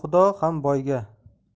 xudo ham boyga